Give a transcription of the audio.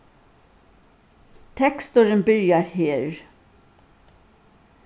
teksturin byrjar her